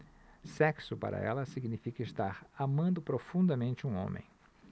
sexo para ela significa estar amando profundamente um homem